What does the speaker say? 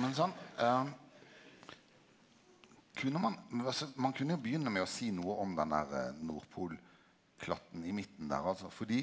men sant kunne ein altså ein kunne jo begynne med å seie noko om den derre Nordpol-klatten i midten der altså fordi